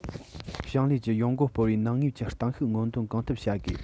ཞིང ལས ཀྱི ཡོང སྒོ སྤོར བའི ནང ངོས ཀྱི གཏིང ཤུགས སྔོག འདོན གང ཐུབ བྱ དགོས